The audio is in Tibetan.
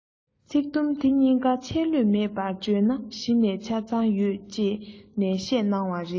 ཚིག དུམ དེ གཉིས ཀ ཆད ལུས མེད པར བརྗོད ན གཞི ནས ཆ ཚང ཡོད ཅེས ནན བཤད གནང བ རེད